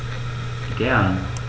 Gern.